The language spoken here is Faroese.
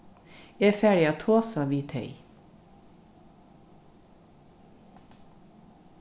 eg fari at tosa við tey